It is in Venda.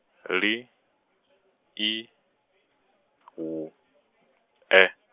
L I W E.